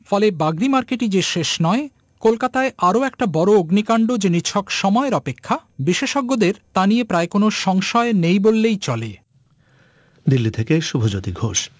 ফলে বাগরি মার্কেটিং ই যে শেষ নয় কলকাতায় আরো একটা বড় অগ্নিকাণ্ড যে নিছক সময়ের অপেক্ষা বিশেষজ্ঞদের তা নিয়ে প্রায় কোন সংশয় নেই বললেই চলে দিল্লি থেকে শুভজ্যোতি ঘোষ